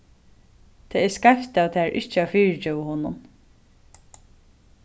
tað er skeivt av tær ikki at fyrigeva honum